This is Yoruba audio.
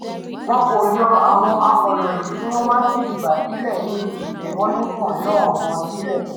Wọn kò yọ àwọn akọ̀ròyìn tí wọ́n wá ṣe ìgbàsílẹ̀ níbi ìfẹ̀hónúhàn náà gan sílẹ̀.